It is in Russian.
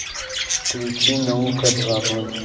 включи наука два ноль